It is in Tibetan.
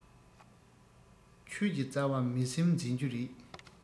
ཆོས ཀྱི རྩ བ མི སེམས འཛིན རྒྱུ རེད